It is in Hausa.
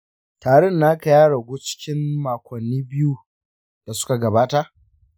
tarin naka ya ragu cikin makonni biyu da suka gabata?